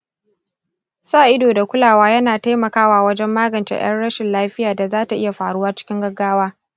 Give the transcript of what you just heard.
sa ido da kulawa yana taimakawa wajen magance 'yar rashin lafiya da zata iya faruwa cikin gaggawa.